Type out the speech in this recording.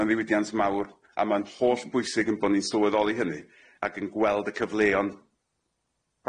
Ma'n ddiwydiant mawr a ma'n holl bwysig 'yn bo ni'n sylweddoli hynny ac yn gweld y cyfleon.